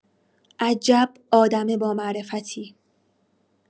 عجب آدم بامعرفتی!